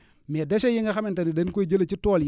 mais déchets yi nga xamante ne dañ koy jëlee ci tool yi